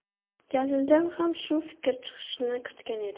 jalildan ham shu fikr chiqishini kutgan edi